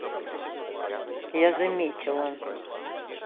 я заметила